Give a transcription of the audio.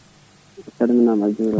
a salminama a juurama